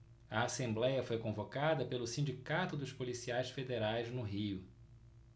a assembléia foi convocada pelo sindicato dos policiais federais no rio